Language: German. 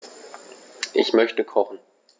Ich möchte kochen.